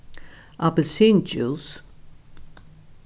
appilsindjús